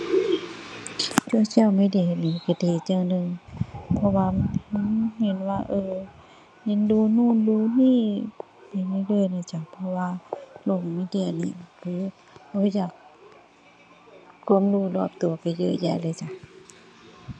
social media นี่ก็ดีจั่งหนึ่ง เพราะว่ามัน มันเห็นว่า เอ่อ เห็นดูนู่นดูนี่ เห็นได้เลยน่ะจ้ะ เพราะว่าโลกมีเดียนี่ก็คือรู้จัก ความรู้รอบก็ก็เยอะแยะเลยจ้ะ